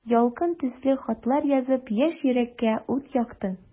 Ялкын төсле хатлар язып, яшь йөрәккә ут яктың.